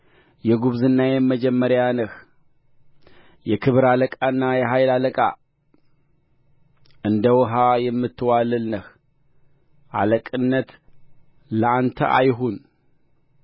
የጕብዝናዬም መጀመሪያ ነህ የክብር አለቃና የኃይል አለቃ እንደ ውኃ የምትዋልል ነህ አለቅነት ለአንተ አይሁን